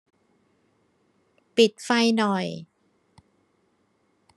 ปิดไฟหน่อย